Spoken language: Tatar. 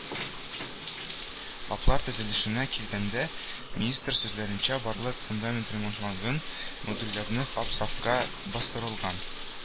ФАПлар төзелешенә килгәндә, министр сүзләренчә, барлык фундамент ремонтланган, модульле ФАП сафка бастырылган